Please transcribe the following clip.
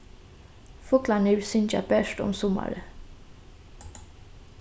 fuglarnir syngja bert um summarið